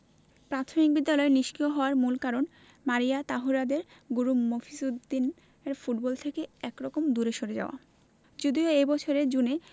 প্রাথমিক বিদ্যালয় নিষ্ক্রিয় হওয়ার মূল কারণ মারিয়া তহুরাদের গুরু মফিজ উদ্দিনের ফুটবল থেকে একরকম দূরে সরে যাওয়া যদিও এ বছরের জুনে